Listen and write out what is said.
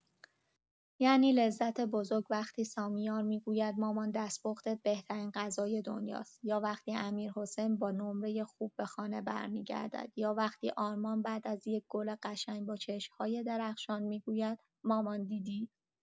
یعنی لذتی بزرگ وقتی سامیار می‌گوید مامان دستپختت بهترین غذای دنیاست، یا وقتی امیرحسین با نمره خوب به خانه برمی‌گردد، یا وقتی آرمان بعد از یک گل قشنگ با چشم‌های درخشان می‌گوید مامان دیدی.